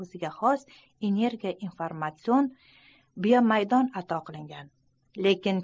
oziga xos energoinformatsion energiya hamda informatsiya chiqarib turadigan biomaydon ato qilingan